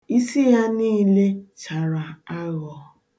Isi ya niile chara aghọ.